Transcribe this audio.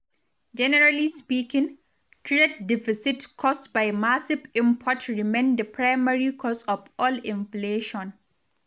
Generally speaking, trade deficits caused by massive imports remain the primary cause of all inflation.